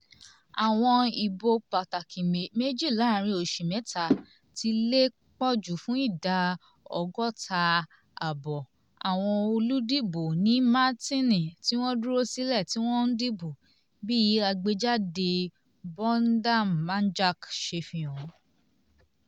Àwọn ìbò pàtàkì méjì láàárìn oṣù mẹ́ta ti lè pọ̀ jù fún ìda 55.55% àwọn oludìbò ní Martini tí wọ́n dúró sílé tí wọn ò dìbò, bí àgbéjáde Bondamanjak ṣe fi hàn.